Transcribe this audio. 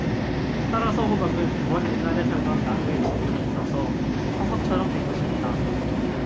따라서 호박은 먼 옛날에 살던 나무의 진이 굳어서 화석처럼 된 것입니다